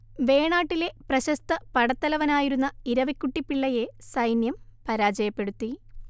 വേണാട്ടിലെ പ്രശസ്ത പടത്തലവനായിരുന്ന ഇരവിക്കുട്ടിപ്പിള്ളയെ സൈന്യം പരാജയപ്പെടുത്തി